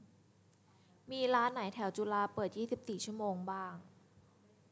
มีร้านไหนแถวจุฬาเปิดยี่สิบสี่ชั่วโมงบ้าง